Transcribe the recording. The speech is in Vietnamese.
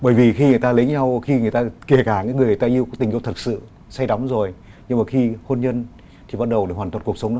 bởi vì khi người ta lấy nhau khi người ta kể cả những người ta yêu tình yêu thực sự say đắm rồi nhưng mà khi hôn nhân thì bắt đầu hoàn toàn cuộc sống